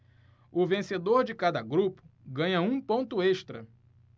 o vencedor de cada grupo ganha um ponto extra